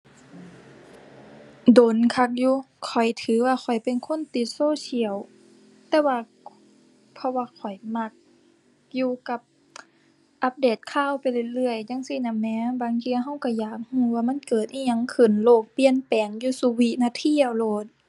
โดนคักอยู่ ข้อยถือว่าข้อยเป็นคนติดโซเชียล แต่ว่า เพราะว่าข้อยมักอยู่กับอัปเดตข่าวไปเรื่อยเรื่อยจั่งซี้น่ะแหม บางเที่ยเราเราอยากเราว่ามันเกิดอิหยังขึ้น โลกเปลี่ยนแปลงอยู่ซุวินาทีเอาโลด